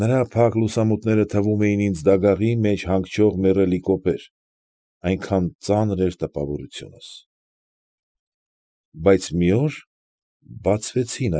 Նրա փակ լուսամուտները թվում էին ինձ դագաղի մեջ հանգչող մեռելի կոպեր, այնքան ծանր էր տպավորությունս։ ֊ Բայց մի օր բացվեցին։